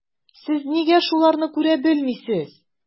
Сез нигә шуларны күрә белмисез?